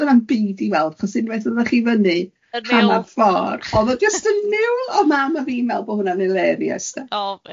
dona'm byd i weld, achos unwaith oddech chi i fyny ... Y niwl!... hannar ffor, o'dd o jyst yn niwl, o'dd mam a fi'n meddwl bod hwnna'n hileriys 'de.